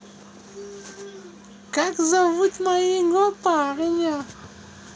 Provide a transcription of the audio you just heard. как зовут моего парня